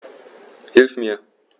Hilf mir!